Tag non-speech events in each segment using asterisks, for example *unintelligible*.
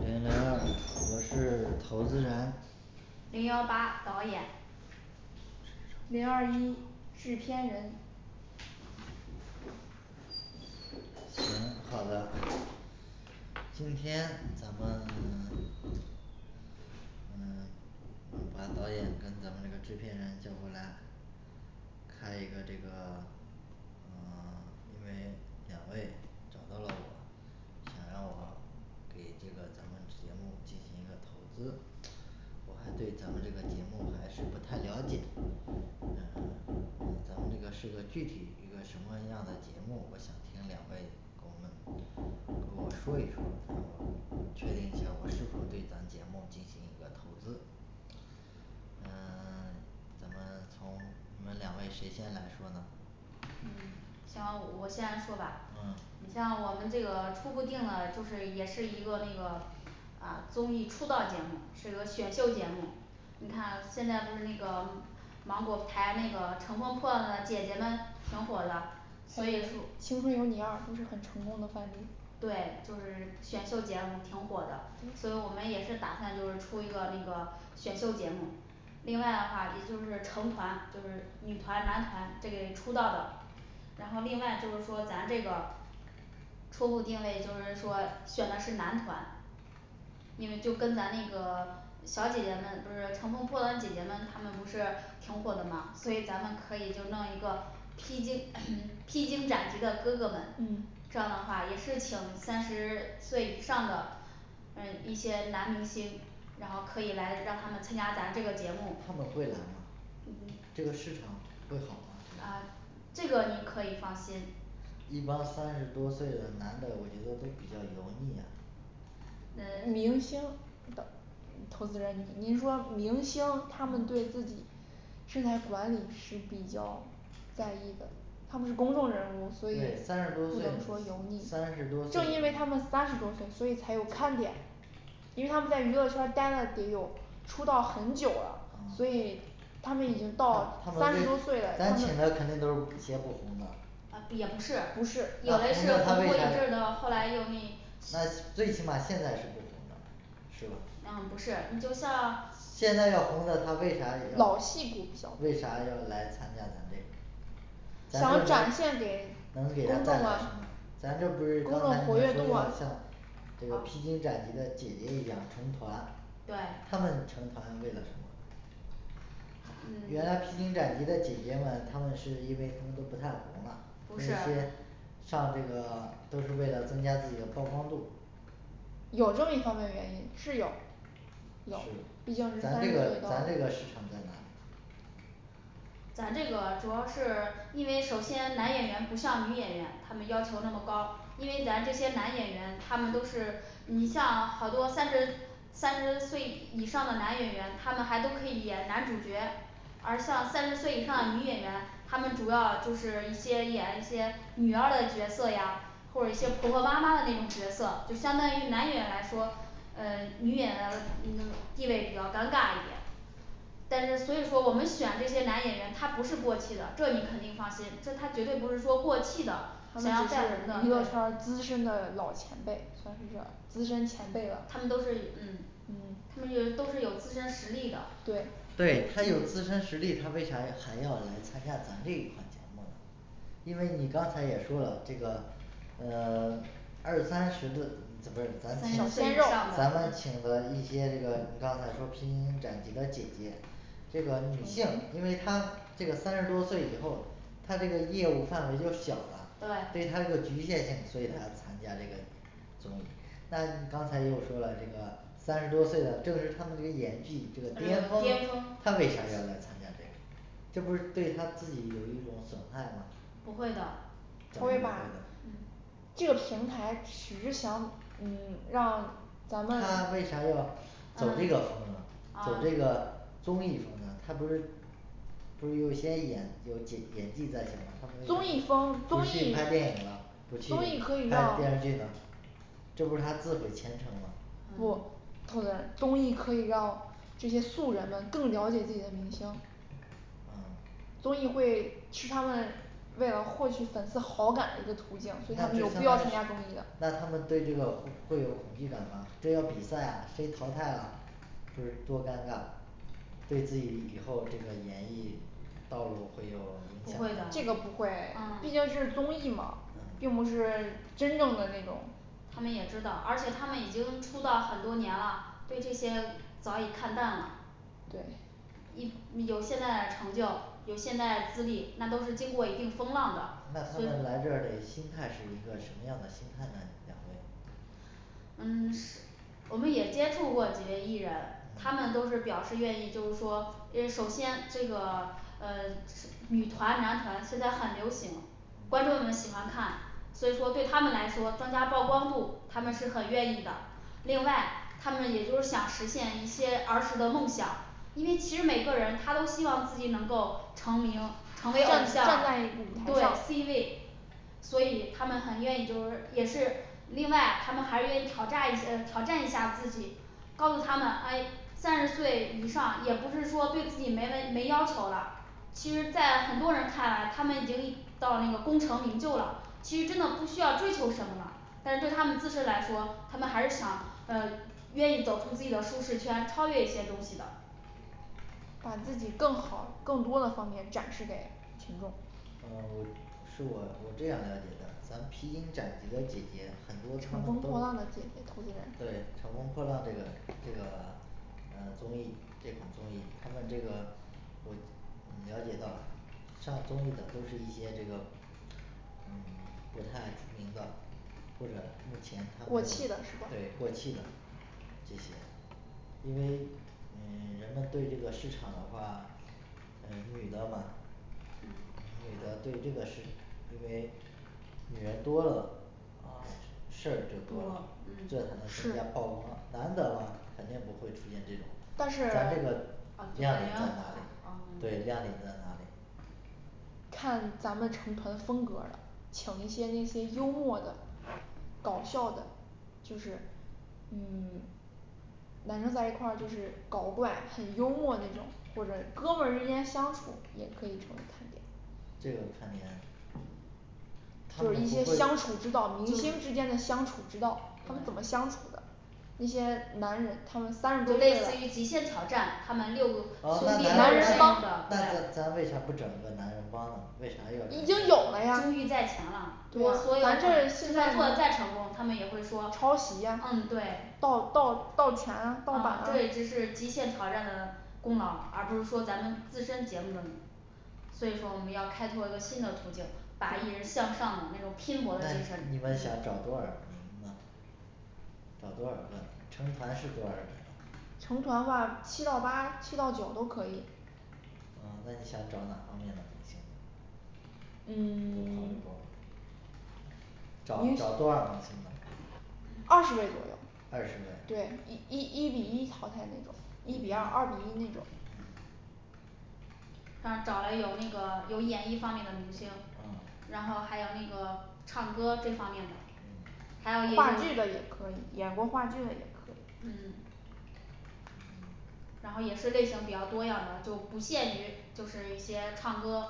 零零二我是投资人零幺八导演零二一制片人行好的今天咱们 *silence* 嗯 *silence* 把导演跟咱们那个制片人叫过来开一个这个嗯因为两位找到了我想要我给这个咱们节目进行一个投资我还对咱们这个节目还是不太了解，嗯嗯咱们这个是个具体一个什么样的节目，我想听两位给我们给我说一说，然后确定一下儿我是否对咱节目进行一个投资嗯 *silence* 咱们从你们两位谁先来说呢嗯行，我先来说吧嗯你像我们这个初步定了就是也是一个那个啊综艺出道节目儿，是个选秀节目儿你看现在不是那个芒果台那个乘风破浪的姐姐们挺火的所以书 *unintelligible* 青春有你二就是很成功的范例对就是选秀节目挺火的，所以我们也是打算就是出一个那个选秀节目另外的话也就是成团就是女团男团这类出道的然后另外就是说咱这个初步定位就是说选的是男团因为就跟咱那个小姐姐们不是乘风破浪，姐姐们她们不是挺火的嘛所以咱们可以就弄一个披荆 *hesitation* 披荆斩棘的哥哥们嗯这样的话也是请三十岁以上的嗯一些男明星然后可以来让他们参加咱这个节目他们会来吗嗯这个市嗯场会好吗这个啊这个您可以放心一般三十多岁的男的我觉得都比较油腻呀明嗯星等投资人，您说明星他们对自嗯己身材管理是比较在意的，他们是公众人物，所以对三十多不岁能说油你腻三三十多，岁正你因为他们三十多岁所以才有看点因为他们在娱乐圈儿呆了得有出道儿很久了所嗯以他们他他已经到了三们十多岁为了他咱请的们肯定都是些不红的啊也不是不是有那嘞红是的他红为过一阵儿啥的后来又那那起 *unintelligible* 最起码现在是不红的是吧嗯不是你就像现在要红的他为啥要老戏骨儿为比较啥多要来参加咱这个咱这能想展现给公能给他众带来什么啊咱这不是刚公众才你活跃们说度啊要像这个披啊荆斩棘的姐姐一样成团对他们成团，为了什么原来嗯披荆斩棘的姐姐们，他们是因为他们都不太红了还不有一是些上这个 *silence* 都是为了增加自己的曝光度有这么一方面的原因是有有毕是竟是咱三十这岁个咱这到个市场在哪里咱这个主要是因为首先男演员不像女演员他们要求那么高，因为咱这些男演员他们都是你像好多三十三十岁以 *unintelligible* 以上的男演员，他们还都可以演男主角而像三十岁以上的女演员，他们主要就是一些演一些女二的角色呀或者一些婆婆妈妈的那种角色，就相当于男演员来说呃女演员的嗯地位比较尴尬一点但是所以说我们选这些男演员，他不是过气的，这你肯定放心，这他绝对不是说过气的她想们属要再红于的是娱对乐圈儿资深的老前辈，算是这资深前辈了他们都是嗯嗯他们有都是有自身实力的，对对他有自身实力，他为啥还要来参加咱这一款节目呢因为你刚才也说了这个呃二三十的不是三十岁咱请小鲜以肉上咱们的请嗯的一些这个你刚才说披荆斩棘的姐姐这个女性因为她这个三十多岁以后她这个业务范围就小了所对以她这个局限性，所以她参加这个综艺那你刚才又说了这个三十多岁的正是他们这个演他技这这个个巅巅峰峰他为啥要来参加这个这不是对他自己有一种损害吗不会的怎不么不会会的吧嗯这个平台只是想嗯让他咱们为啥要走这个风嗯呢走这啊个综艺风呢他不是不是有些演有几 *unintelligible* 演技在线吗他们综艺为啥风不不综去艺拍电影了不去拍综艺可以让电视剧呢这不是他自毁前程吗不嗯投资人综艺可以让这些素人们更了解这些明星哦 *silence* 综艺会使他们为了获取粉丝好感的一个途那这相当于径，所以他有必要参加综艺是的那他们对这个会会有恐惧感吗这要比赛啊谁淘汰了不是多尴尬对自己以后这个演绎道路会有影不响会吗的这个不会啊，毕竟是综艺嘛并不啊是真正的那种他们也知道，而且他们已经出道很多年了，对这些早已看淡了对一 *unintelligible* 有现在的成就有现在的资历那都是经过一定风浪的那他们来这儿得心态是一个什么样的心态呢？你们两位嗯是 *unintelligible* 我们也接触过几位艺人他们都嗯是表示愿意，就是说诶首先这个呃这 *unintelligible* 女团男团现在很流行观众嗯们喜欢看，所以说对他们来说增加曝光度他们是很愿意的另外他们也就是想实现一些儿时的梦想，因为其实每个人他都希望自己能够成名站站在舞台成为偶像对上 C位所以他们很愿意就是也是另外他们还愿意挑炸一呃挑战一下自己告诉他们诶三十岁以上，也不是说对自己没了没要求了其实在很多人看来，他们已经到了那个功成名就了其实真的不需要追求什么了但是对他们自身来说，他们还是想呃愿意走出自己的舒适圈，超越一些东西的把自己更呃好更多的方面展示给群众呃我 *unintelligible* 是我我这样了解的咱披荆斩棘的姐姐很多她乘风们都破浪的姐姐投资人对乘风破浪这个这个呃综艺这款综艺她们这个我嗯了解到了上综艺的都是一些这个嗯 *silence* 不太出名的或者目前她没过有气的是吧对过气的这些因为嗯 *silence* 人们对这个市场的话嗯女的嘛嗯女的对这个事因为女人多了嘛事事儿就多多了了这才嗯能增加曝是光男的嘛肯定不能出现这种咱但这是个亮点在哪里对亮嗯点在哪里看咱们成团风格儿了请一些那些幽默的搞笑的就是嗯 *silence* 男生在一块儿就是搞怪很幽默那种，或者哥们儿之间相处也可以成为看点这个看点他就们是一些不会相处之就道，明星之间的是相处之道，他们怎么对相处的那些男人他们三十多就岁类了似于极限挑战他们六个兄好弟那咱六是个那男那人人那帮种的对咱咱为啥不整个男人帮呢为啥要整已经有个了呀综艺在前了对呀咱这儿就现在算做的再成功他们也会说抄袭呀嗯对盗盗盗权啊盗版嗯啊这只是极限挑战的功劳，而不是说咱们自身节目的所以说我们要开拓一个新的途径把艺人向上的那种拼搏的那精神你嗯们想找多少名呢找多少个呢成团是多少人儿呢成团话七到八七到九都可以呃那你想找哪方面的明星呢有考嗯虑过吗 *silence* 找明找多少明星星呢二十位左右二十对位一一一比一淘汰那种然后一比二二比一那嗯种像找了有那个有演艺方面的明星，啊然后还有那个唱歌这方面的还有也有话剧的也可以，演过话剧的也可以嗯嗯然后也是类型儿比较多样的，就不限于就是一些唱歌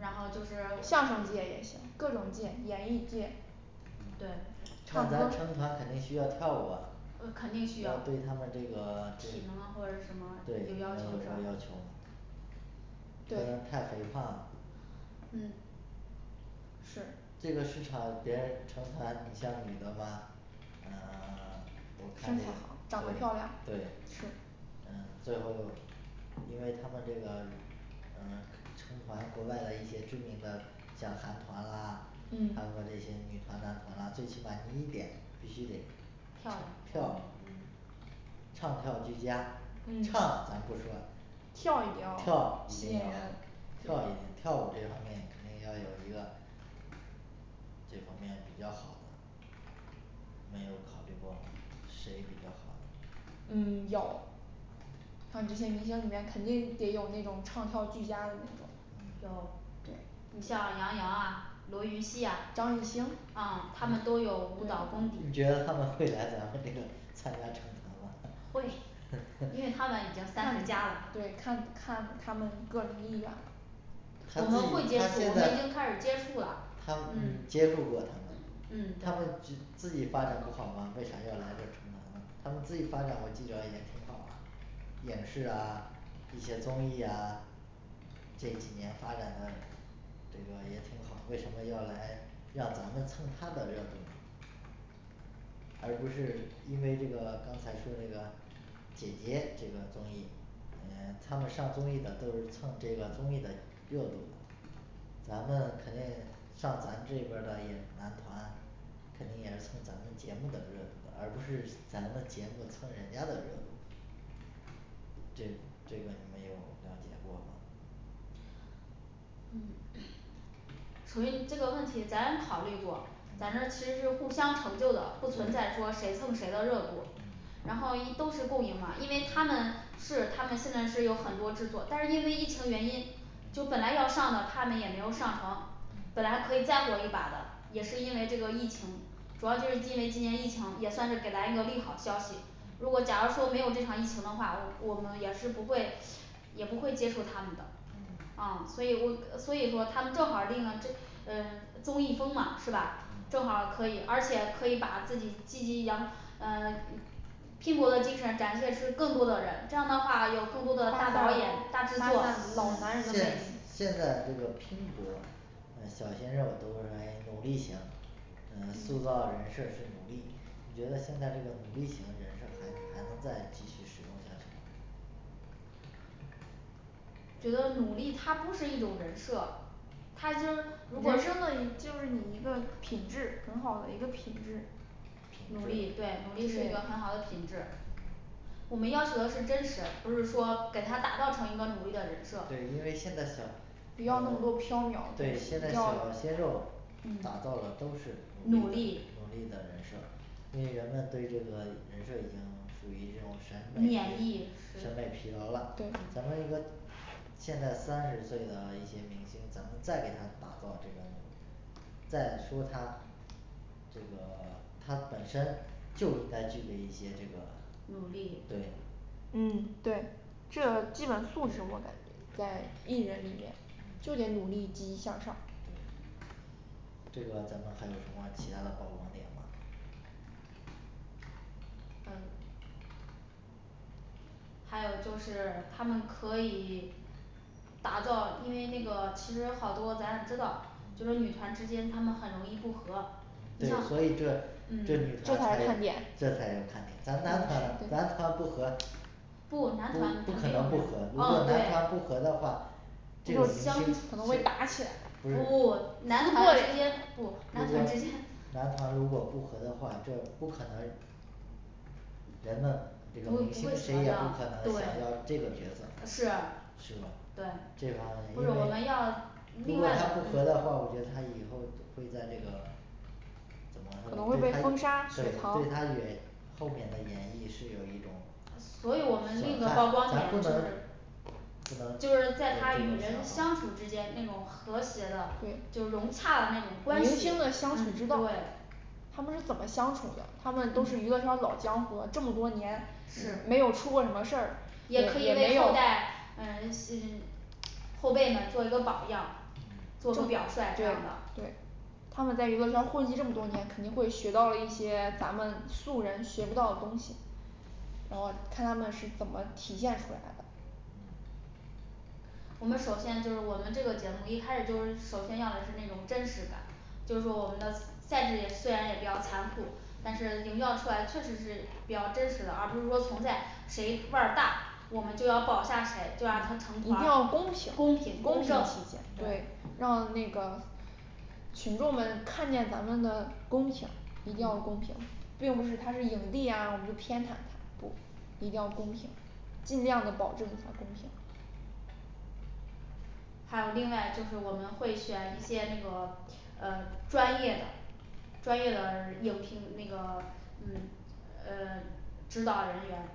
然后嗯就是相声界也行，各种界演艺界嗯对那咱成团肯定需要跳舞啊呃肯定需要要对他们这个这体能啊或者什对你们有没么有要求的有要求吗不能太肥对胖啊嗯是这个市场别人儿成团你像女的吧呃 *silence* 我身看这材好长的个漂亮对对是，嗯最后因为他们这个嗯成团国外的一些知名的像韩团啊韩嗯国这些女团男团了，最起码你一点必须得漂亮嗯嗯跳唱跳俱佳，唱咱嗯不说跳一跳一定定要要好吸引人跳一点，跳舞这方面肯定要有一个这方面比较好的没有考虑过吗谁比较好嗯有像这些明星里面肯定也有那种唱跳俱佳的那种有嗯对你像杨洋啊罗云熙呀张艺兴啊他们都有舞蹈功对底你觉得他们会来 *noise* 咱们这个 *noise* 参加成团吗 *noise* 会因为他们已经 *noise* 三十加嗯了对看看他们个人意愿了他我们会自接己他触，我现们已在经开始接触了他们嗯你嗯接触过他们嗯他们只 *unintelligible* 自己发展不好吗，为啥要来这儿成团呢他们自己发展，我记着也挺好啊影视啊一些综艺呀这几年发展的这个也挺好，为什么要来让咱们蹭他的热度呢而不是因为这个刚才说这个姐姐这个综艺嗯她们上综艺的都是蹭这个综艺的热度的咱们肯定上咱这边儿的也男团肯定也是蹭咱们节目的热度的，而不是咱们节目蹭人家的热度的这这个你们有了解过吗嗯属于这个问题咱考虑过，咱这嗯其实是互相成就的，不存在对说谁蹭谁的热度嗯然后一都是共赢嘛，因为他们是他们现在是有很多制作，但是因为疫情原因就嗯本来要上的，他们也没有上成本嗯来可以再火一把的，也是因为这个疫情主要就是因为今年疫情也算是给咱一个利好消息如果假如说没有这场疫情的话，我我们也是不会也不会接触他们的嗯啊所以我呃所以说他们正好儿利用了这 *unintelligible* 嗯综艺风嘛是吧嗯正好儿可以而且可以把自己积极扬呃 *silence* 拼搏的精神展现出更多的人，这样的话有更多发散发的大导演大制作散老男人的魅现力现在这个拼搏，呃小鲜肉都认为诶努力型呃塑造人设儿是努力你觉得现在这个努力型人设很难再进行继续使用下去吗觉得努力它不是一种人设它就人生是如果是的 *unintelligible* 就是你一个品质，很好的一个品质努力品质对努力是一个很好对的品质嗯我们要求的是真实，不是说给他打造成一个努力的人设对，因为现在小不要那么多呃飘渺对现在小鲜要肉打嗯造了都是努努力力的努力的人设因为人们对这个人设已经属于这种审美免疫疲审美疲劳啦，咱们对嗯这个现在三十岁的一些明星，咱们再给他打造这个努再说他这个 *silence* 他本身就应该具备一些这个努力对嗯对这这基 *unintelligible* 本素质我感觉在艺人里面就得努力积极向对上这个咱们还有什么其它的曝光点吗还有还有就是他们可以打造，因为那个其实好多咱也知道就是女嗯团之间她们很容易不和你对像所以这嗯这女这团才才是看点这才有看点咱男团嘞男团不和不不不男团他可没能不有和，如那果嗯男团不和对的话这如个果明星相其处实可能会打起来不不是撕男破团之脸间不男团之如间 *noise* 果男团如果不和的话，这不可能人们不这个不会明传星谁也不可的能想要对这个角色啊是是吧这对方面不因是我们要为如另果外的他不和的嗯话，我觉得他以后会在这个怎么容说易被对他封杀对对他也后面的演绎是有一种所以我们那个损曝光害点咱不就能是不能有就这是种在他与人相想法处儿之间那种和谐的就融洽的那种对关明系星嗯的对相处之道他们是怎么相处的，他们都是娱乐嗯圈儿老江湖了，这么多年是没有出过什么事儿也也可也以没给有后代嗯嗯后辈们做一个榜样，做嗯个表对率这样的对他们在娱乐圈儿混迹这么多年，肯定会学到了一些咱们素人学不到的东西然后看他们是怎么体现出来的我们首先就是我们这个节目儿一开始就是首先要的是那种真实感就是说我们的赛制虽然也比较残酷，但是营嗯造出来确实是比较真实的，而不是说存在谁腕儿大我们就要保下谁，就让他成一团定要儿公公平公平平公正体现对让那个群众们看见咱们的公平一定要嗯公平，并不是他是影帝呀，我们就偏袒他不一定要公平尽量的保证他公平还有另外就是我们会选一些那个呃专业的专业的人应聘那个嗯呃指导人员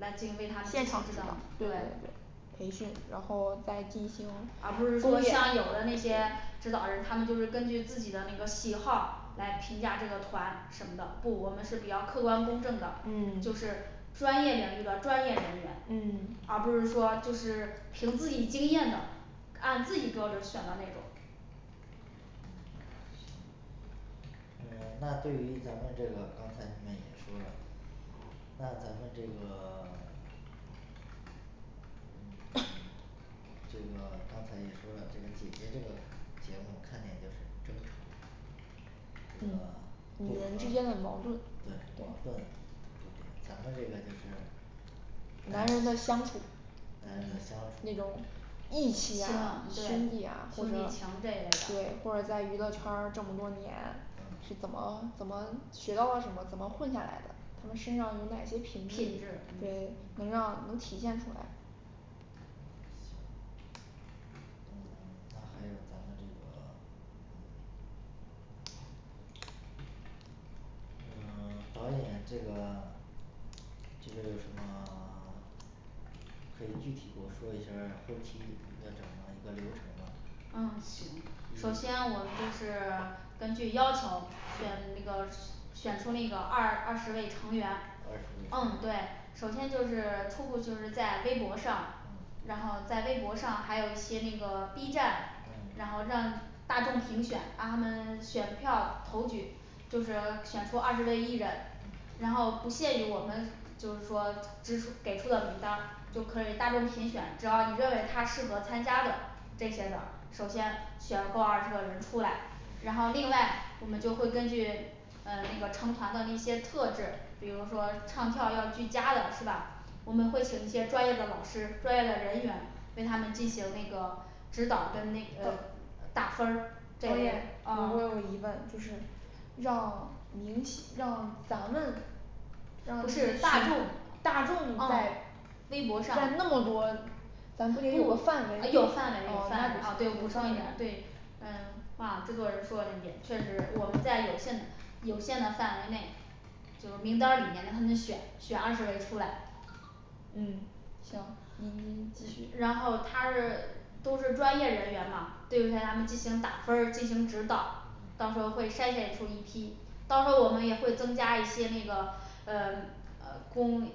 来进为他们现进行场指指导导对对培训然后再进行而不是说公演像有的那些指导人他们就是根据自己的那个喜好来评嗯价这个团什么的不我们是比较客观公正的就嗯是专业领域的专业人员嗯而不是说就是凭自己经验的，按自己标准儿选的那种嗯行诶 *silence* 那对于咱们这个刚才你们也说了那咱们这个 *silence* 嗯 *hesitation* *silence* 这个刚才也说了这个姐姐这个节目看点儿就是争吵这个嗯不女人之合间的矛盾对矛盾突出点咱们这个就是男男人的人相处男人的相那种处情对兄义气呀兄弟呀或者弟情这类对的或者在娱乐圈儿这么多年是怎嗯么怎么学到了怎么，怎么混下来的他们身上有哪些品品质质对嗯，能让能体现出来嗯行嗯那还有咱们这个嗯嗯 *silence* 导演这个这边儿有什么可以具体给我说一下儿，后期一个怎么一个流程吗嗯行首先我与们就是根据要求选那嗯个选出一个二二十位成员二十位成嗯对员首先就是初步在微博上然嗯后在微博上还有一些那个B站然嗯后让大众评选，让他们选票投举就是选出二十位艺人然嗯后不屑于我们就是说支出给出的名单儿就可以大众评选，只要你认为他适合参加的这些的首先选够二十个人出来然后嗯另外我们就会根据呃那个成团的那些特质比如说唱跳要俱佳的是吧我们会请一些专业的老师专业的人员为他们进行那个指导跟那个导打分儿这一导类的演我哦有疑问就是让明西 *unintelligible* 让咱们让不咨是询大大众众哦在微博上在那么多咱不得有个啊有范范围哦那就围有范围啊对我补行充一点儿对嗯啊制作人说那一点确实我们在有限的有限的范围内就是名单儿里面让他们选选二十位出来嗯行您您继续然后他是都是专业人员嘛 对他们进行打分儿进行指导，到时嗯候儿会筛选出一批到时候儿我们也会增加一些那个呃呃公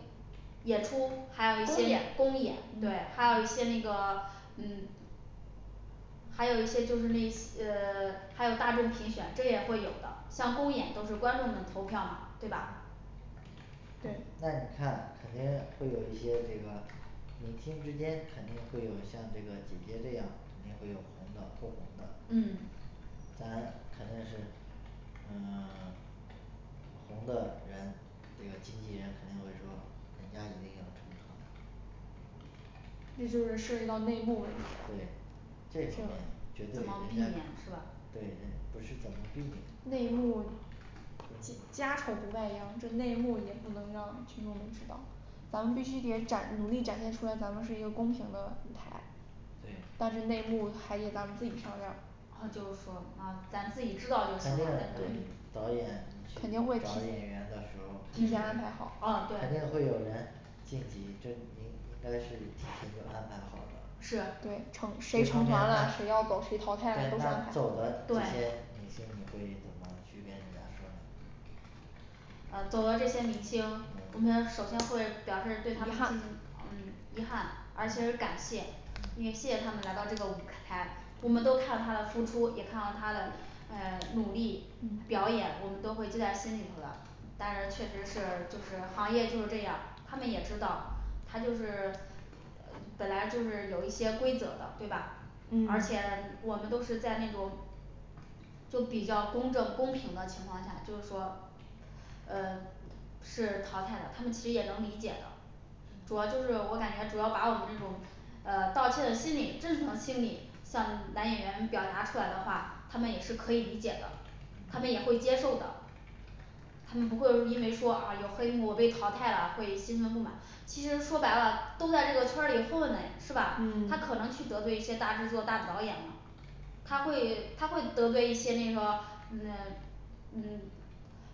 演出还有一公些演嗯公演对，还嗯有一些那个嗯还有一些就是那些 *unintelligible* 呃还有大众评选，这也会有的，像公演都是观众们投票嘛，对吧嗯对那你看肯定会有一些这个明星之间肯定会有像这个姐姐这样肯定会有红的不红的嗯咱肯定是呃 *silence* 红的人，这个经纪人肯定会说人家一定要成团那就是涉及到内幕问题了对不这方面绝是怎对人么避免家是吧对人不是怎么避免内幕家对家丑不外扬，这内幕也不能让群众们知道咱们必须得展努力展现出来咱们是一个公平的舞台对但是内幕还得咱们自己商量哦就是说噢咱自己知道就行了肯那定个嗯你导演去肯定会提找演员的时候儿，肯提定前会安排好啊肯定对会有人晋级，这您应该是提前就安排好的是对成这谁方成面团那了，谁对要走谁淘汰了都是那安排好走了的这些对明星你会怎么去跟人家说呢呃走了这些明星我们嗯首先会表示对他遗们憾进嗯遗憾而且是嗯感谢，因为嗯谢谢他们来到这个舞开台我们都看嗯到他的付出，也看到他嘞呃努力表嗯演我们都会记在心里头的但是确实是就是行业就是这样他们也知道他就是 *silence* 呃本来就是有一些规则的对吧而且嗯我们都是在那种就比较公正公平的情况下就是说呃是淘汰的，他们其实也能理解的主要就是我感觉主要把我们这种呃盗窃的心理正常心理向男演员表达出来的话，他们也是可以理解的他嗯们也会接受的他们不会说因为说啊有黑幕被淘汰了，会心存不满其实说白了都在这个圈儿里混嘞是吧？他可嗯能去得罪一些大制作大导演吗他会他会得罪一些那个嗯 *silence* 嗯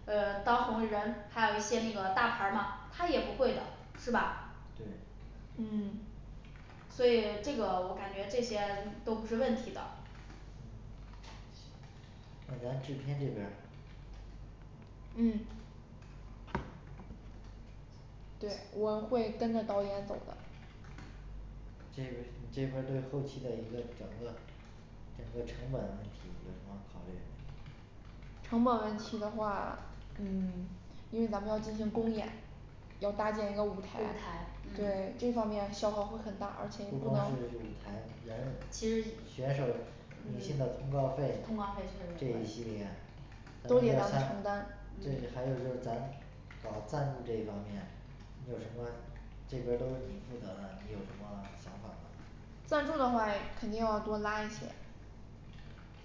呃当红的人，还有一些那个大牌儿吗他也不会的是吧对嗯所以这个我感觉这些都不是问题的嗯行那咱制片这边儿嗯对我会跟着导演走的这边儿你这边儿对后期的一个整个整个成本问题有什么考虑没成本问题的话嗯 *silence* 因为咱们要进行公演要搭建一个舞舞台台，对这嗯方面消耗会很大，而且也不不光能是舞台人其实选手儿明星的嗯通告通费告费这确一系实有列咱都们得要咱像们承担对还有就是咱搞赞助这一方面你有什么？这边儿都是你负责的，你有什么想法吗赞助的话肯定要多拉一些